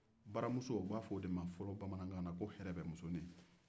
a bɛ fɔ baramuso ma fɔlɔ bamanankan ne ko hɛrɛbɛmusonin